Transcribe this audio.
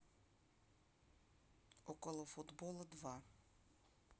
около футбола два